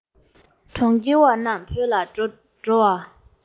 གྲོང ཁྱེར བ རྣམས བོད ལ འགྲོ བ